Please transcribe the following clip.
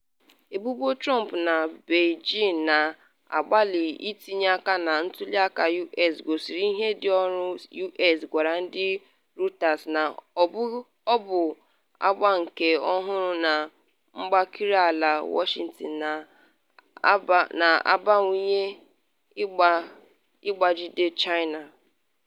Ebubo Trump na Beijing na-agbalị itinye aka na ntuli aka U.S gosiri ihe ndị ọrụ U.S gwara ndị Reuters na ọ bụ agba nke ọhụrụ na mgbakiri ala Washington na-abawanye ịkwagide China.